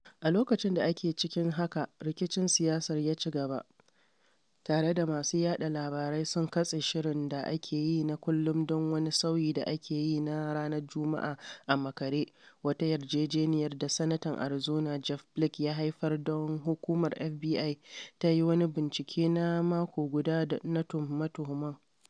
A loƙacin da ake cikin haka, rikicin siyasar ya ci gaba, tare da masu yaɗa labarai suna kattse shirin da ake yi na kullum don wani sauyi da aka yi na ranar Juma’a a makare: wata yarjejeniya da Sanatan Arizona Jeff Flake ya haifar don Hukumar FBI ta yi wani bincike na mako guda na tuhume-tuhumen.